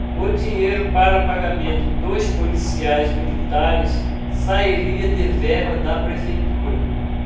o dinheiro para pagamento dos policiais militares sairia de verba da prefeitura